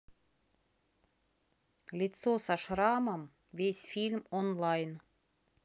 лицо со шрамом весь фильм онлайн